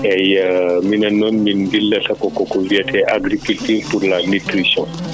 eeyi minen noon min dillata koko wiyate agriculture pour la nutrition